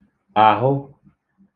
àhụ